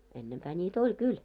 ennempää niitä oli kyllä